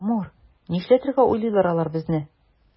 Амур, нишләтергә уйлыйлар алар безне?